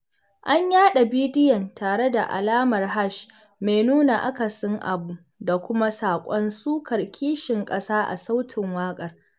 An yaɗa bidiyon tare da alamar hash mai nuna akasin abu da kuma saƙon sukar kishin ƙasa a sautin waƙar.